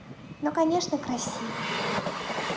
ну конечно красиво